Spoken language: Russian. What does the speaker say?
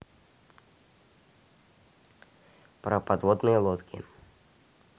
про подводные лодки